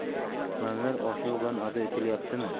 planlar oshig'i bilan ado etilyaptimi